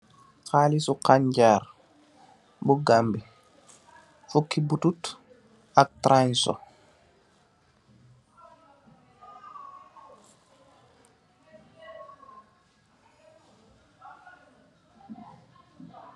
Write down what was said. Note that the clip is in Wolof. Khaalisu khangaar, bu Gambi, fuki butut ak taranso.